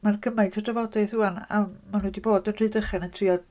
Mae'r cymaint o'r drafodaeth 'ŵan am, maen nhw 'di bod yn Rhydychen yn trio...